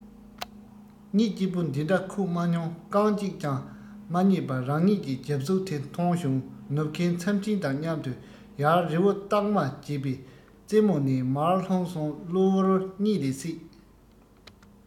གཉིད སྐྱིད པོ འདི འདྲ ཁུག མ མྱོང རྐང གཅིག ཀྱང མ རྙེད པ རང ཉིད ཀྱི རྒྱབ གཟུགས དེ མཐོང བྱུང ནུབ ཁའི མཚམས སྤྲིན དང མཉམ དུ ཡལ རི བོ སྟག མ རྒྱས པའི རྩེ མོ ནས མར ལྷུང སོང གླུ བུར གཉིད ལས སད